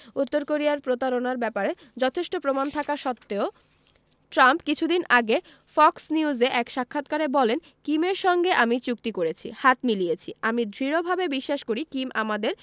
উত্তর কোরিয়ার প্রতারণার ব্যাপারে যথেষ্ট প্রমাণ থাকা সত্ত্বেও ট্রাম্প কিছুদিন আগে ফক্স নিউজে এক সাক্ষাৎকারে বলেন কিমের সঙ্গে আমি চুক্তি করেছি হাত মিলিয়েছি আমি দৃঢ়ভাবে বিশ্বাস করি কিম আমাদের